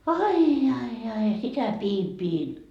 ai ai ai ja sitä pidin pidin